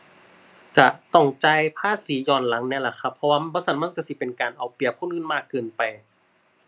ก็ต้องจ่ายภาษีย้อนหลังแหน่ล่ะครับ เพราะว่าบ่ซั้นมันก็สิเป็นการเอาเปรียบคนอื่นมากเกินไป